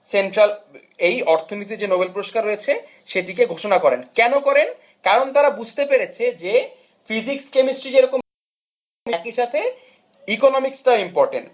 central এই অর্থনীতির জন্য যে নোবেল পুরস্কার রয়েছে সেটিকে ঘোষণা করে কেন করেন কারণ তারা বুঝতে পেরেছে যে ফিজিক্স কেমিস্ট্রি যেরকম একইসাথে ইকোনমিক্স টাও ইম্পর্টেন্ট